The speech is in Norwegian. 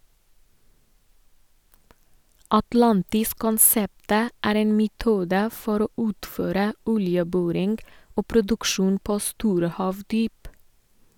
Atlantis-konseptet er en metode for å utføre oljeboring og produksjon på store havdyp.